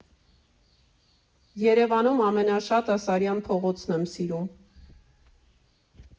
Երևանում ամենաշատը Սարյան փողոցն եմ սիրում։